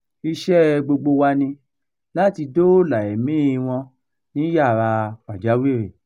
Iṣẹ́ẹ gbogbo wa ni láti dóòlà ẹ̀míi wọn ní yàráa pàjàwìrì.